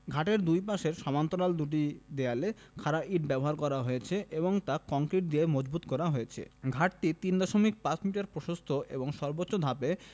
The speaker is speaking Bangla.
ঘাটের দুই পাশের সমান্তরাল দুটি দেয়ালে খাড়া ইট ব্যবহার করা হয়েছে এবং তা কংক্রিট দিয়ে মজবুত করা হয়েছে ঘাটটি ৩ দশমিক ৫ মিটার প্রশস্ত এবং সর্বোচ্চ ধাপে